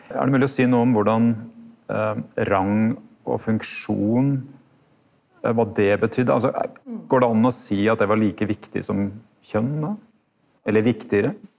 er det mogleg å seie noko om korleis rang og funksjon, kva det betydde altså går det an å seie at det var like viktig som kjønn då eller viktigare?